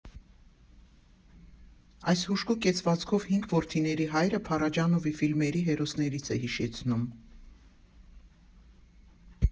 Այս հուժկու կեցվածքով հինգ որդիների հայրը Փարաջանովի ֆիլմերի հերոսներին է հիշեցնում։